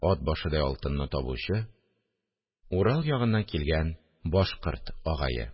«ат башыдай алтын»ны табучы – урал ягыннан килгән башкорт агае